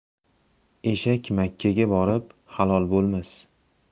eshak makkaga borib halol bo'lmas